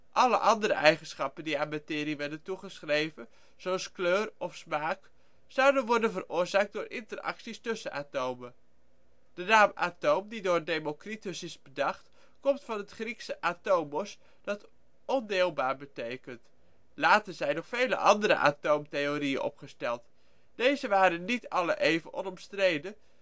Alle andere eigenschappen die aan materie werden toegeschreven (zoals kleur of smaak) zouden worden veroorzaakt door interacties tussen atomen. De naam atoom die door Democritus is bedacht komt van het Griekse atomos, dat ondeelbaar betekent. Later zijn er nog vele atoomtheorieën opgesteld; deze waren niet alle even onomstreden